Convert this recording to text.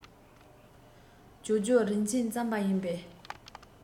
ཇོ ཇོ རིན ཆེན རྩམ པ ཡིན པས